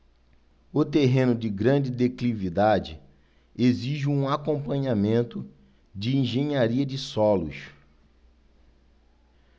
o terreno de grande declividade exige um acompanhamento de engenharia de solos